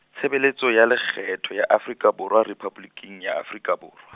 Tshebeletso ya Lekgetho ya Afrika Borwa Rephaboliki ya Afrika Borwa.